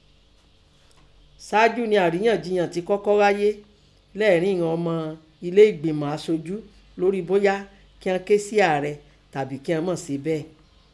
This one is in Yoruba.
Ṣaájú nẹ àríyànjiyàn tẹ kọ́kọ́ háyé lẹ́ẹ̀ẹ́rin ìnan ọmọ ẹlé ẹ̀gbìmọ̀ asojú lórí bọ́yá kíọ́n ké sí Ààrẹ tàbí kíọn mọ́ se bẹ́ẹ̀.